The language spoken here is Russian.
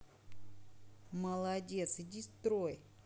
молодец иди строй